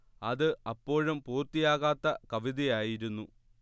അത് അപ്പോഴും പൂർത്തിയാകാത്ത കവിതയായിരുന്നു